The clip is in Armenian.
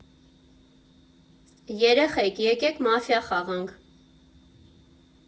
Երեխեք, եկեք մաֆիա խաղանք։